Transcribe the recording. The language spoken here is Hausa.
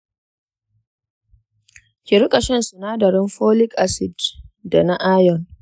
ki riƙa shan sinadarin folic acid da na iron.